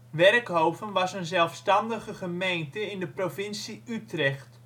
Werkhoven was een zelfstandige gemeente in de provincie Utrecht